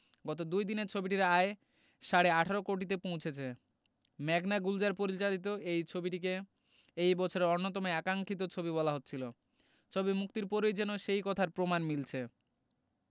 গত দুই দিনে ছবিটির আয় সাড়ে ১৮ কোটিতে পৌঁছেছে মেঘনা গুলজার পরিচালিত এই ছবিটিকে এই বছরের অন্যতম আকাঙ্খিত ছবি বলা হচ্ছিল ছবি মুক্তির পরই যেন সেই কথার প্রমাণ মিলছে